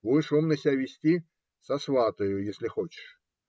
Будешь умно себя вести - сосватаю, если хочешь.